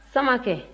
samakɛ